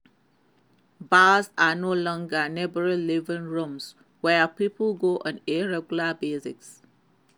"Bars are no longer neighborhood living rooms where people go on a regular basis."